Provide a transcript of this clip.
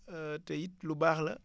te it lu baax la